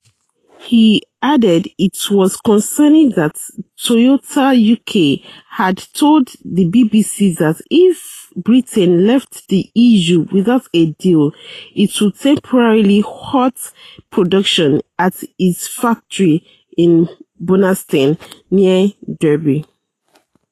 He added it was "concerning" that Toyota UK had told the BBC that if Britain left the EU without a deal it would temporarily halt production at its factory in Burnaston, near Derby.